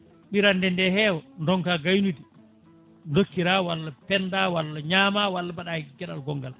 ɓirande nde hewa donka gaynude dokkira walla penda walla ñaama walla mbaɗa e gueɗal gongal